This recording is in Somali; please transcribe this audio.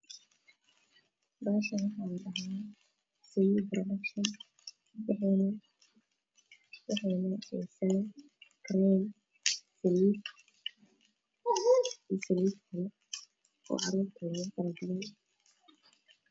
Meeshani waxaa yaalo saxan wayn qolkaani waxaa yaalo fadhiga quracda fadhigaani iyo miis qado ah miiskani midab ahaan dahabi